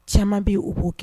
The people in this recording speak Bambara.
Caman bɛ u b'o kɛ